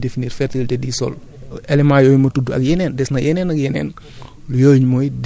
loolu mooy loolu mooy définir fertilité du sol éléments yooyu ma udd ak yeneen des na yeneen ak yeneen